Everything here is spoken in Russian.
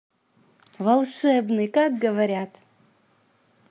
волшебный как говорят